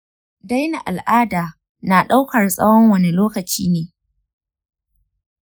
daina al’ada na ɗaukar tsawon wane lokaci ne?